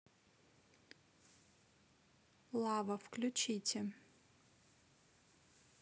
лава включите